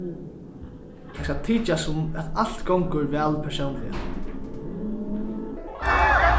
tað skal tykjast sum at alt gongur væl persónliga